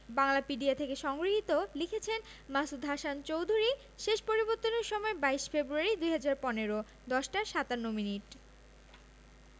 বাংলাপিডিয়া থেকে সংগৃহীত লিখেছেন মাসুদ হাসান চৌধুরী শেষ পরিবর্তনের সময় ২২ ফেব্রুয়ারি ২০১৫ ১০ টা ৫৭ মিনিট